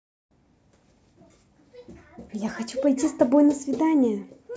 я хочу пойти с тобой на свидание